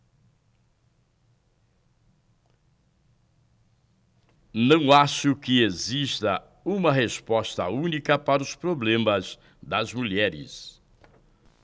não acho que exista uma resposta única para os problemas das mulheres